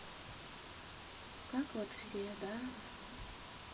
как вот все да